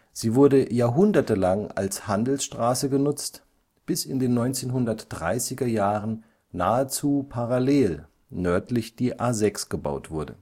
Sie wurde jahrhundertelang als Handelsstraße genutzt, bis in den 1930er Jahren nahezu parallel nördlich die A 6 gebaut wurde